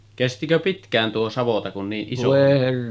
kestikö pitkään tuo savotta kun niin iso oli